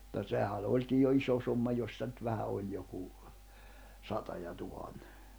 mutta sehän onkin jo iso summa jos sitä nyt vähän oli joku sata ja tuhannen